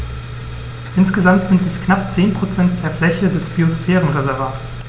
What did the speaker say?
Insgesamt sind dies knapp 10 % der Fläche des Biosphärenreservates.